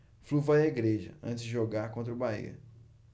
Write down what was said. flu vai à igreja antes de jogar contra o bahia